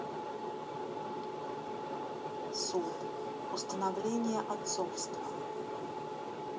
суд установление отцовства